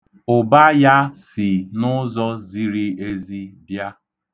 Ụba ya si n'ụzọ ziri ezi bịa.